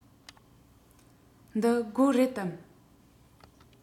འདི སྒོ རེད དམ